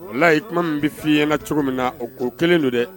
Layi kuma min bɛ f' i ɲɛna na cogo min na o k'o kelen don dɛ